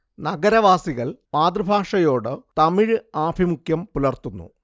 നഗരവാസികൾ മാതൃഭാഷയോട് തമിഴ് ആഭിമുഖ്യം പുലർത്തുന്നു